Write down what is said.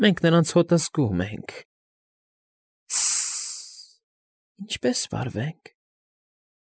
Մենք նրանց հոտն զգում ենք։ Ս֊ս֊ս… Ինչպե՞ս֊ս֊ս վարվենք։